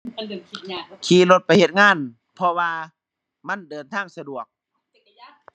ขี่รถไปเฮ็ดงาน เพราะว่า มันเดินทางสะดวก